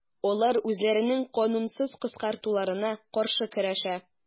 Алар үзләренең канунсыз кыскартылуына каршы көрәшә.